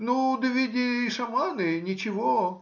ну да ведь и шаманы ничего.